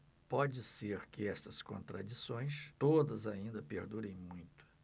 pode ser que estas contradições todas ainda perdurem muito